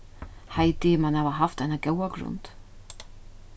heidi man hava havt eina góða grund